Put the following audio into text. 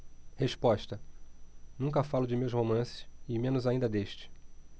resposta nunca falo de meus romances e menos ainda deste